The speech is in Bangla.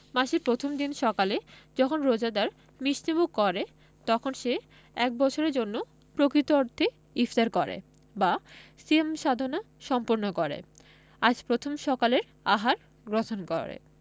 মাসের প্রথম দিন সকালে যখন রোজাদার মিষ্টিমুখ করে তখন সে এক বছরের জন্য প্রকৃত অর্থে ইফতার করে বা সিয়াম সাধনা সম্পূর্ণ করে আজ প্রথম সকালের আহার গ্রহণ করে